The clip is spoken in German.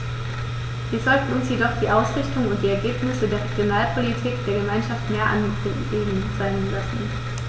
Wir sollten uns jedoch die Ausrichtung und die Ergebnisse der Regionalpolitik der Gemeinschaft mehr angelegen sein lassen.